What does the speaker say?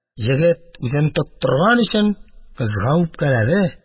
Егет, үзен тоттырган өчен, кызга үпкәләде.